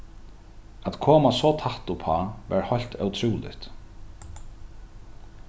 at koma so tætt uppá var heilt ótrúligt